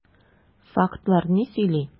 Фактлар ни сөйли?